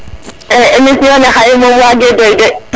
e émission xaye moom wage doy de